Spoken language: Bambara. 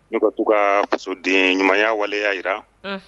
N'o ka to ka fasoden ɲumanya waleya jira. Unhun!